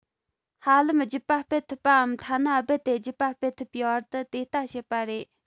ཧ ལམ རྒྱུད པ སྤེལ ཐུབ པའམ ཐ ན རྦད དེ རྒྱུད པ སྤེལ ཐུབ པའི བར དུ དེ ལྟ བྱེད པ རེད